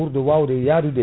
ɓuurɗo wawde yadude